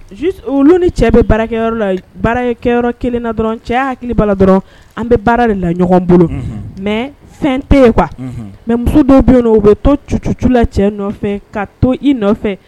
Olu ni cɛ bɛ baara baarakɛ kelen dɔrɔn cɛ hakili dɔrɔn an bɛ baara de la ɲɔgɔn bolo mɛ fɛn tɛ yen kuwa mɛ muso dɔw bɛ yen u bɛ to tututula cɛ nɔfɛ ka to i nɔfɛ